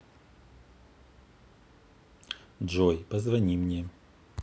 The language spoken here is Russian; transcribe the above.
джой позвони мне